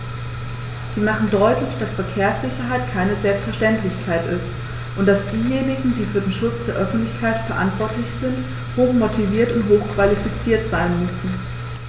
Sie machen deutlich, dass Verkehrssicherheit keine Selbstverständlichkeit ist und dass diejenigen, die für den Schutz der Öffentlichkeit verantwortlich sind, hochmotiviert und hochqualifiziert sein müssen.